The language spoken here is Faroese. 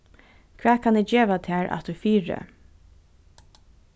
hvat kann eg geva tær afturfyri